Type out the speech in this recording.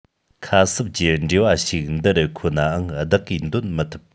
ཁ གསབ ཀྱི འགྲེལ བ ཞིག འདི རུ མཁོ ནའང བདག གིས འདོན མི ཐུབ